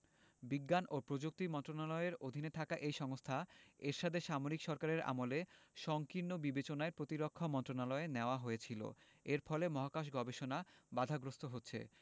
বিজ্ঞান ও প্রযুক্তি মন্ত্রণালয়ের অধীনে থাকা এই সংস্থা এরশাদের সামরিক সরকারের আমলে সংকীর্ণ বিবেচনায় প্রতিরক্ষা মন্ত্রণালয়ে নেওয়া হয়েছিল এর ফলে মহাকাশ গবেষণা বাধাগ্রস্ত হচ্ছে